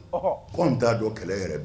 Kɔn t'a don kɛlɛ yɛrɛ